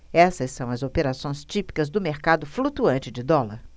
essas são as operações típicas do mercado flutuante de dólar